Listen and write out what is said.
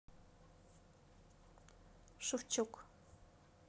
шевчук